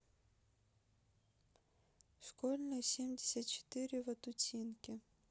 школьная семьдесят четыре ватутинки